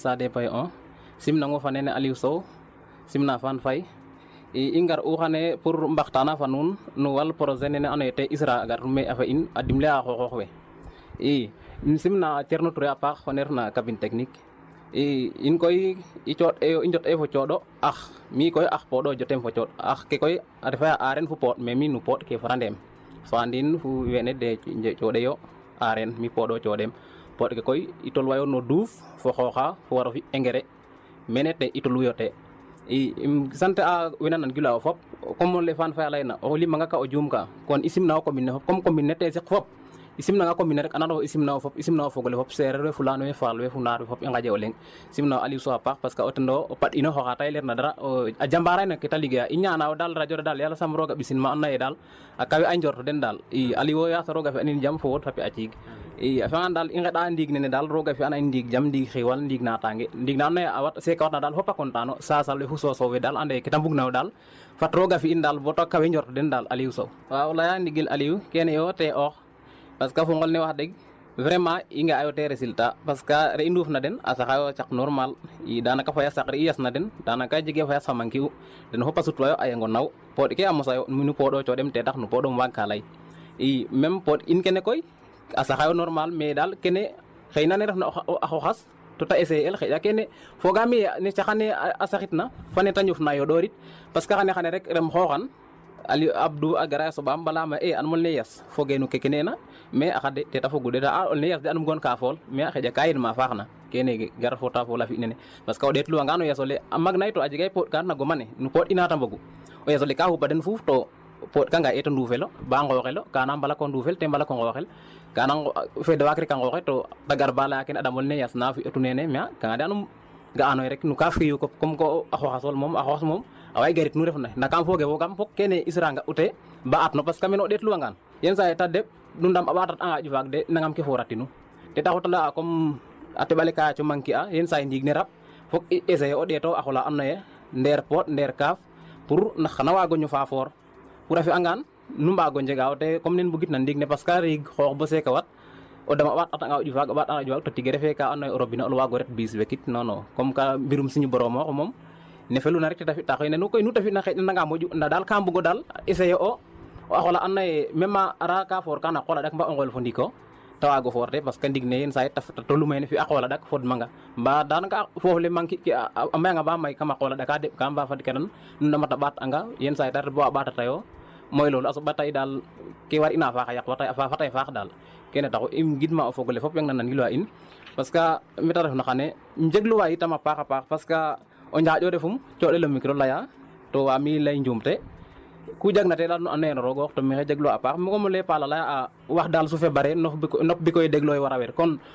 waaw Aliou